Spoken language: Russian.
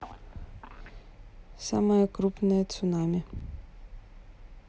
самое крупное цунами